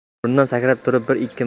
o'rnidan sakrab turib bir ikki